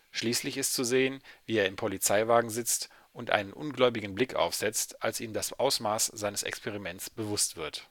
Schließlich ist zu sehen, wie er im Polizeiwagen sitzt und einen ungläubigen Blick aufsetzt, als ihm das Ausmaß seines Experiments bewusst wird